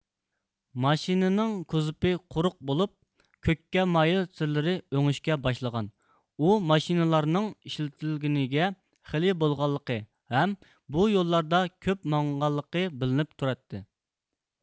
ماشىنىنىڭ كوزۇپى قۇرۇق بولۇپ كۆككە مايىل سىرلىرى ئۆڭۈشكە باشلىغان ئۇ ماشىنىلارنىڭ ئىشلىتىلگىنىگە خېلى بولغانلىقى ھەم بۇ يوللاردا كۆپ ماڭغانلىقى بىلىنىپ تۇراتتى